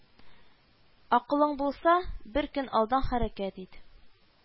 Акылың булса, бер көн алдан хәрәкәт ит